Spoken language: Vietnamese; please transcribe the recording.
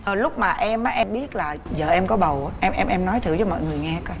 rồi lúc mà em á em biết là dợ em có bầu á em em nói thử cho mọi người nghe coi